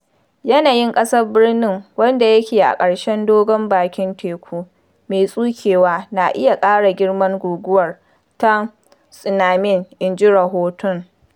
Yanayin ƙasar birnin, wanda yake a ƙarshen dogon, bakin teku mai tsukewa, na iya ƙara girman guguwar ta tsunami, in ji rahoton.